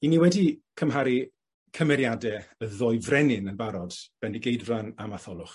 'Yn ni wedi cymharu cymeriade y ddou frenin yn barod. Bendigeidfran a Matholwch.